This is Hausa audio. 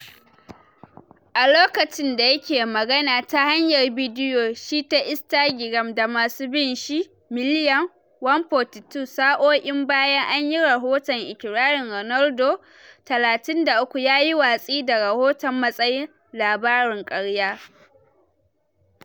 A lokacin da yake magana ta hanyar bidiyon shi ta Instagram da masu bin shi Miliyan 142 sa’o’i bayan an yi rahoton ikirarin, Ronaldo, 33, yayi watsi da rahoton matsayin “labarin karya”